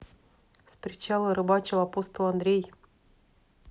с причала рыбачил апостол андрей